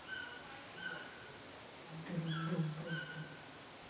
дурдом просто